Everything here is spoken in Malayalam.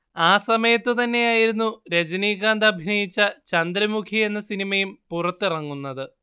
ആ സമയത്തു തന്നെയായിരുന്നു രജനീകാന്ത് അഭിനയിച്ച ചന്ദ്രമുഖി എന്ന സിനിമയും പുറത്തിറങ്ങുന്നത്